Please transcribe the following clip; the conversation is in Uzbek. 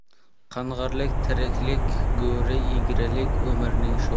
qing'irlik tiriklik go'ri egrilik umrning sho'ri